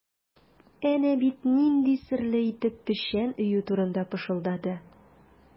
Әнә бит нинди серле итеп печән өю турында пышылдады.